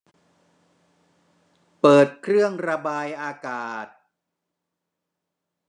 เปิดเครื่องระบายอากาศ